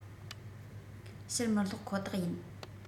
ཕྱིར མི བསློག ཁོ ཐག ཡིན